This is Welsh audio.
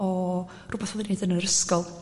o rwbath odda ni'n neud yn yr ysgol